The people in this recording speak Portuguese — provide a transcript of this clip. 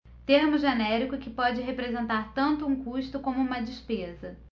termo genérico que pode representar tanto um custo como uma despesa